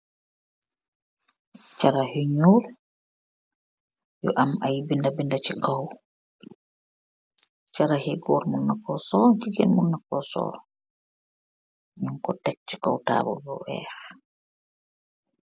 Charah yu nyull, yu am aiy binda binda chi kaw, charah yi gorr munnako sol, jigen munnako sol, nyunko tek chi kaw tabul bu weakh.